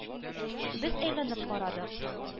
Без әйләнеп карадык.